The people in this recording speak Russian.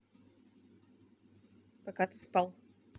покатыспал